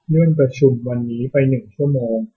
เลื่อนประชุมวันนี้ไปหนึ่งชั่วโมง